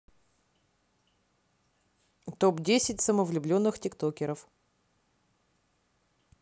топ десять самовлюбленных тиктокеров